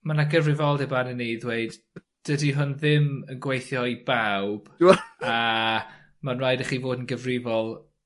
ma' 'na gyfrifoldeb arnyn ni i ddweud dydi hwn ddim yn gweithio i bawb a ma'n raid i chi fod yn gyfrifol